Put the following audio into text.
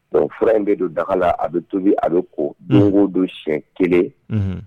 Dɔnku fura in de don dagala a bɛ tobi a bɛ ko denw don sɛ kelen